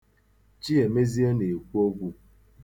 Chimezie na-ekwu okwu.